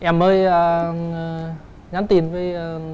em mới ơ ơ nhắn tin với